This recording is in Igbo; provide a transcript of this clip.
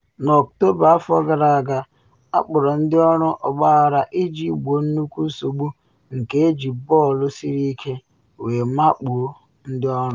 N’ọktoba afọ gara aga akpọrọ ndị ọrụ ọgbaghara iji gboo nnukwu nsogbu nke eji bọọlụ siri ike wee makpuo ndị ọrụ.